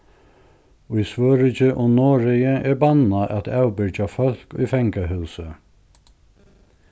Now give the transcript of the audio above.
í svøríki og noregi er bannað at avbyrgja fólk í fangahúsi